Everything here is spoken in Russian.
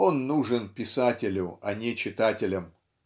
он нужен писателю, а не читателям.